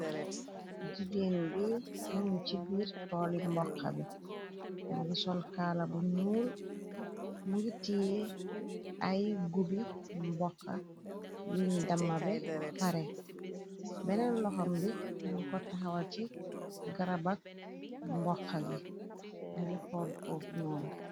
Jigéen bi muñu ci biir tolli mboxa bi mungi solkaala bu ñuul mu ngi tiee ay gubi mbokxa yuñ dama be pare benen loxam bi muñ ko taxawa ci garabak mboxxa gi ngi xoolfo ñoon.